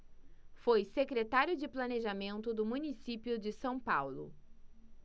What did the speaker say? foi secretário de planejamento do município de são paulo